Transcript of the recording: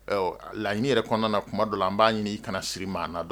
Laɲini yɛrɛ kɔnɔna kuma dɔw la an b'a ɲini i ka na siri maa